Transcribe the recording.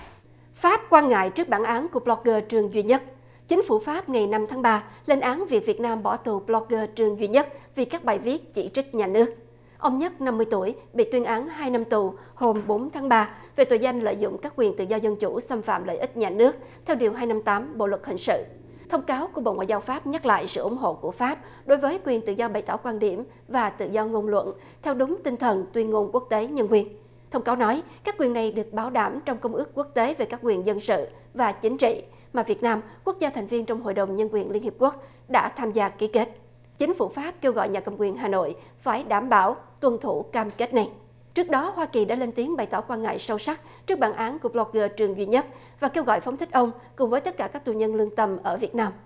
pháp quan ngại trước bản án cục lọt gơ chương duy nhất chính phủ pháp ngày năm tháng ba lên án việc việt nam bỏ tù bờ lóc gơ chương duy nhất vì các bài viết chỉ trích nhà nước ông nhất năm mươi tuổi bị tuyên án hai năm tù hôm bốn tháng ba về tội danh lợi dụng các quyền tự do dân chủ xâm phạm lợi ích nhà nước theo điều hai năm tám bộ luật hình sự thông cáo của bộ ngoại giao pháp nhắc lại sự ủng hộ của pháp đối với quyền tự do bày tỏ quan điểm và tự do ngôn luận theo đúng tinh thần tuyên ngôn quốc tế nhân quyền thông cáo nói các quyền này được bảo đảm trong công ước quốc tế về các quyền dân sự và chính trị mà việt nam quốc gia thành viên trong hội đồng nhân quyền liên hiệp quốc đã tham gia ký kết chính phủ pháp kêu gọi nhà cầm quyền hà nội phải đảm bảo tuân thủ cam kết này trước đó hoa kỳ đã lên tiếng bày tỏ quan ngại sâu sắc trước bản án cục lót gơ chương duy nhất và kêu gọi phóng thích ông cùng với tất cả các tù nhân lương tâm ở việt nam